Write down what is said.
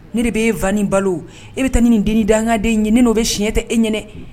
Ne de bɛ e Wan balo, e bɛ taa ni nin denin dangaden in ye , ne n' o bɛ siɲɛ ta, e ɲɛna